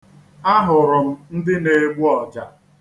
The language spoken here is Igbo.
Ahụrụ m ndị na-egbu ọja.